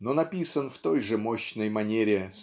но написан в той же мощной манере